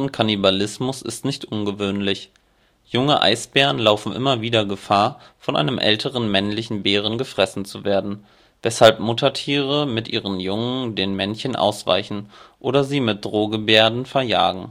Eisbären-Kannibalismus ist nicht ungewöhnlich. Junge Eisbären laufen immer wieder Gefahr, von einem älteren männlichen Bären gefressen zu werden, weshalb Muttertiere mit ihren Jungen den Männchen ausweichen oder sie mit Drohgebärden verjagen.